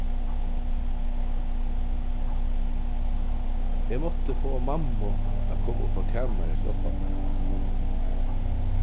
eg mátti fáa mammu at koma upp á kamarið at hjálpa mær